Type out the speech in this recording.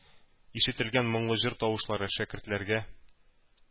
Ишетелгән моңлы җыр тавышлары шәкертләргә